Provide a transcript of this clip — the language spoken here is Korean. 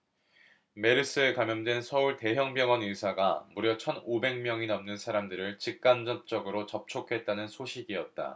메르스에 감염된 서울 대형 병원 의사가 무려 천 오백 명이 넘는 사람들을 직 간접으로 접촉했다는 소식이었다